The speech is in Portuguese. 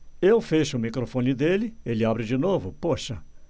eu fecho o microfone dele ele abre de novo poxa